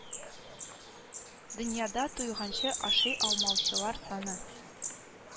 Дөньяда туйганчы ашый алмаучылар саны